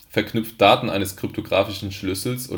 verknüpft Daten eines kryptographischen Schlüssels